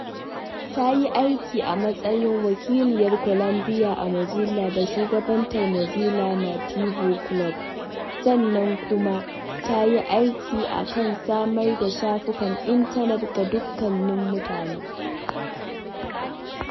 Ta yi aiki a matsayin Wakiliyar Columbia a Mozilla da Shugabantar Mozilla Nativo Club sannan kuma ta yi aiki a kan samar da shafukan intanet ga dukkanin mutane.